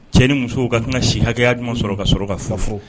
Cɛ ni musow ka kan tɛna ka sin hakɛlima sɔrɔ ka sɔrɔ ka fafo